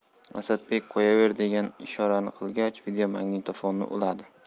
asadbek qo'yaver degan ishora qilgach videomagnitofonni uladi